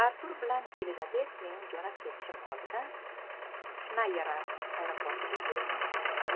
artur bilan yelizabet mening jo'nab ketishim oldidan shnayera aeroportiga telefon qilishdi